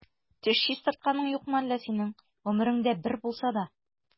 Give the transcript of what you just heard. Теш чистартканың юкмы әллә синең гомереңдә бер булса да?